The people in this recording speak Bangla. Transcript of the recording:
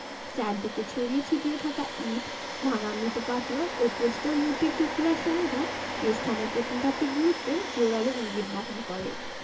চারদিকে ছড়িয়ে ছিটিয়ে থাকা ইট ভাঙা মৃৎপাত্র ও প্রস্তর মূর্তির টুকরাসমূহ এ স্থানের প্রত্নতাত্ত্বিক গুরুত্বের জোরাল ইঙ্গিত বহন করে